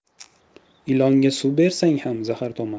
ilonga suv bersang ham zahar tomar